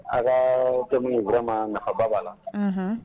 A ka tɛmɛ wɛrɛ ma naba b'a la